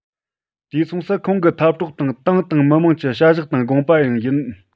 དུས མཚུངས སུ ཁོང གི འཐབ གྲོགས དང ཏང དང མི དམངས ཀྱི བྱ གཞག དང དགོངས པ ཡང ཡིན